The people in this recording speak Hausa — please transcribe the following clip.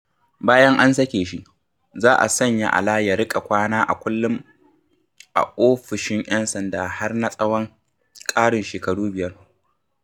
Bayan an sake shi, za a sanya Alaa ya riƙa kwana a kullum a ofishin 'yan sanda har na tsawon ƙarin shekaru biyar.